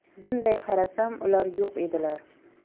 bunday qarasam ular yo'q edilar